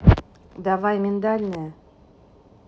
давай миндальное